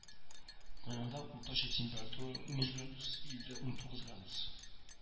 Гыйнварда уртача температура унөч градус; июльдә унтугыз градус